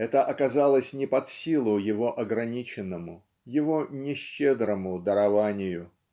это оказалось не под силу его ограниченному, его нещедрому дарованию.